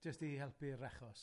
Jyst i helpu'r achos.